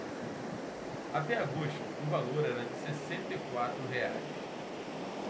até agosto o valor era de sessenta e quatro reais